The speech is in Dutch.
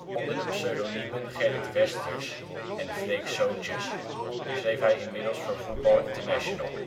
Onder de pseudoniemen Gerrit Westers en Freek Zoontjes schreef hij inmiddels voor Voetbal International